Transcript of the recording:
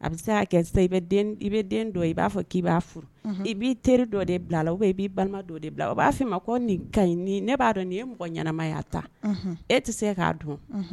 A bɛ se' kɛ i i bɛ den i b'a fɔ k' b'a furu i b'i teri dɔ de bila la o'i balima dɔ de bila a o b'a f' ma ko nin ka ne b'a dɔn nin ye mɔgɔ ɲ ɲɛnaɛnɛmaya ta e tɛ se k'a dun